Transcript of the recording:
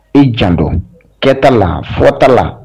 I jan don kɛta la furata la